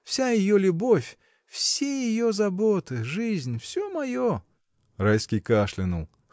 Вся ее любовь — все ее заботы, жизнь — всё мое. Райский кашлянул.